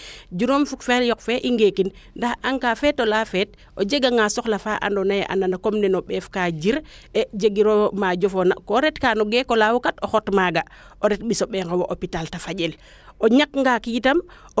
juroom fa yoq fee i ngeekin na en cas feetola feet o jega nga soxla faa ando naye o a nan comme neno mbeef kaa jir jegiro maa jofoona ko ret ka ngeekolaawo kat o xot maaga o ret ɓiso mbengo wo hopital te fanjel o ñakanga yitam